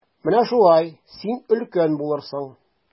Менә шулай, син өлкән булырсың.